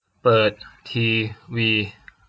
เปิดทีวี